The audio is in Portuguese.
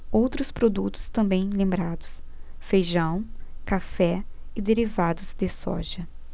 outros produtos também lembrados feijão café e derivados de soja